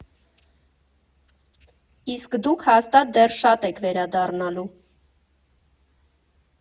Իսկ դուք հաստատ դեռ շատ եք վերադառնալու։